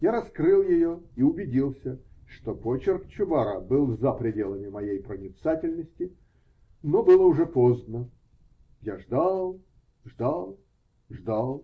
Я раскрыл ее и убедился, что почерк Чубара был за пределами моей проницательности. Но было уже поздно. Я ждал, ждал, ждал.